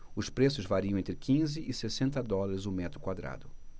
os preços variam entre quinze e sessenta dólares o metro quadrado